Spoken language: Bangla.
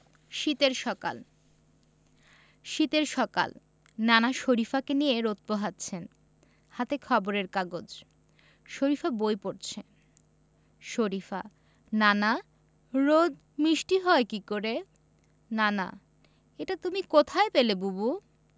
শীতের সকাল শীতের সকাল নানা শরিফাকে নিয়ে রোদ পোহাচ্ছেন হাতে খবরের কাগজ শরিফা বই পড়ছে শরিফা নানা রোদ মিষ্টি হয় কী করে নানা এটা তুমি কোথায় পেলে বুবু